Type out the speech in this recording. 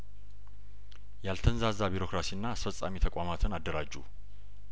ያልተን ዛዛ ቢሮክራሲና አስፈጻሚ ተቋማትን አደራጁ